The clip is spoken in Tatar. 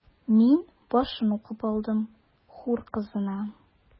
Мин башын укып алдым: “Хур кызына”.